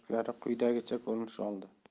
quyidagicha ko'rinish oldi